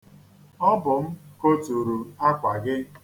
Ọbụ m koturu akwa gị.